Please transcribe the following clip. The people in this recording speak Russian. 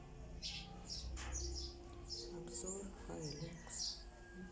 обзор хай люкс